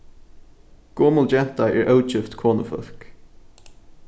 gomul genta er ógift konufólk